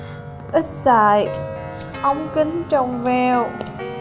ít xài ống kính trong veo